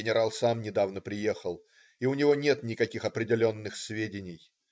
Генерал сам недавно приехал, у него нет никаких определенных сведений.